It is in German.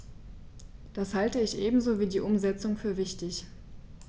Das halte ich ebenso wie die Umsetzung für wichtig.